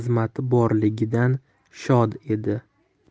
xizmati borligidan shod edi